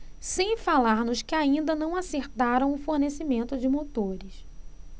sem falar nos que ainda não acertaram o fornecimento de motores